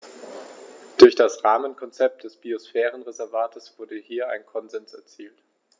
Durch das Rahmenkonzept des Biosphärenreservates wurde hier ein Konsens erzielt.